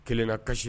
Kelen na kasi